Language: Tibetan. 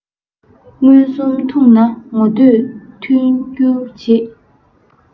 མངོན སུམ ཐུག ན ངོ བསྟོད མཐུན འགྱུར བྱེད